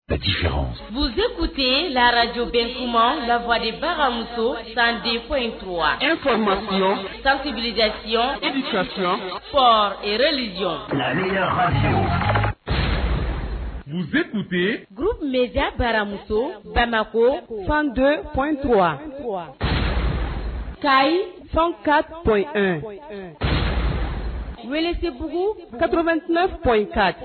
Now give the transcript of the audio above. Buzeku tɛ laaraj kuma lawa baganmuso san kotu sanbiliy eti re jɔ gbja baramuso banako fan don kotu ka fɛn ka p wele tɛbugu katotuma